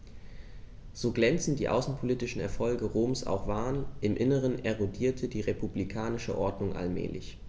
So glänzend die außenpolitischen Erfolge Roms auch waren: Im Inneren erodierte die republikanische Ordnung allmählich.